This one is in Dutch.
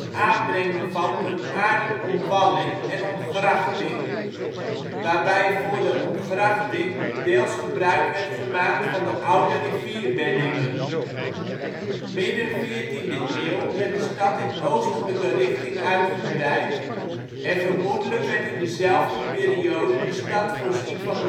aanbrengen van een aarden omwalling en omgrachting waarbij voor de omgrachting deels gebruik werd gemaakt van de oude rivierbeddingen. Midden 14e eeuw werd de stad in oostelijke richting uitgebreid en vermoedelijk werd in dezelfde periode de stad voorzien van